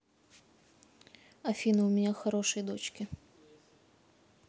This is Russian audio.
афина у меня хорошие дочки